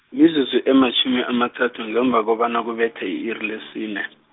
mizuzu ematjhumi amathathu, ngemva kobana kubethe i-iri lesine.